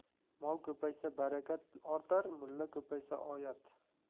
mol ko'paysa barakat ortar mulla ko'paysa oyat